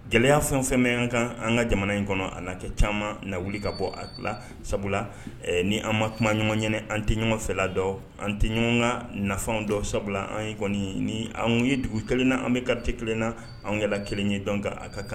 Gɛlɛyaya fɛn fɛnmɛ an kan an ka jamana in kɔnɔ a na kɛ caman na wuli ka bɔ a la sabula ni an ma kuma ɲuman ɲɛna an tɛ ɲɔgɔnfɛla dɔ an tɛ ɲɔgɔn ka nafafanw dɔ sabula an kɔni ni an ye dugu kelen na an bɛ katɛ kelen na an ka kelen ye dɔn kan a ka kan